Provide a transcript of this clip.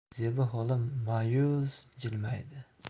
zebi xola mayus jilmaydi